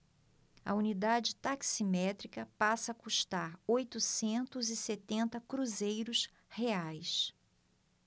a unidade taximétrica passa a custar oitocentos e setenta cruzeiros reais